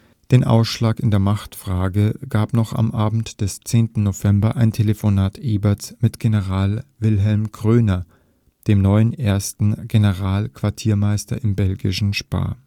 Den Ausschlag in der Machtfrage gab noch am Abend des 10. November ein Telefonat Eberts mit General Wilhelm Groener, dem neuen 1. Generalquartiermeister im belgischen Spa